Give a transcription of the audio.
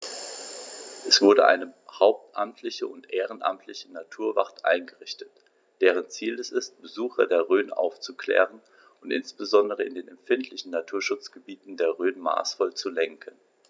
Es wurde eine hauptamtliche und ehrenamtliche Naturwacht eingerichtet, deren Ziel es ist, Besucher der Rhön aufzuklären und insbesondere in den empfindlichen Naturschutzgebieten der Rhön maßvoll zu lenken.